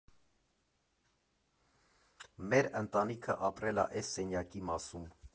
Մեր ընտանիքը ապրել ա էս սենյակի մասում։